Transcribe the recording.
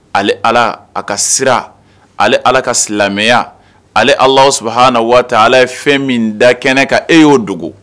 Ale Ala a ka sira, ale Ala ka silamɛya, ale Allahou Soubhana wa ta Ala ye fɛn min da kɛnɛ kan, e y'o dɔgɔ